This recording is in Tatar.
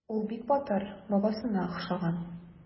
Ул бик батыр, бабасына охшаган.